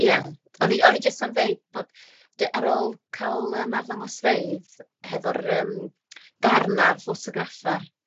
ie o'n i o'n i jyst am ddeud bod d- ar ôl ca'l yym arddangosfeydd hefo'r yym darna'r ffotograffa